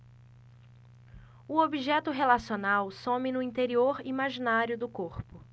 o objeto relacional some no interior imaginário do corpo